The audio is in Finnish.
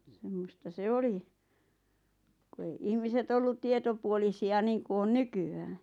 semmoista se oli kun ei ihmiset ollut tietopuolisia niin kuin on nykyään